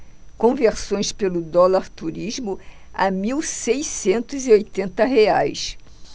conversões pelo dólar turismo a mil seiscentos e oitenta reais